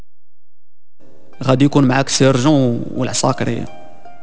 قد يكون معك سيرجو والعساكر